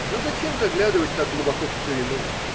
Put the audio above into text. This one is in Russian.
Но зачем заглядывать так глубоко в старину!